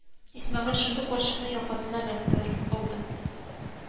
Исмагыйль шунда ук карчыкны якасыннан эләктереп алды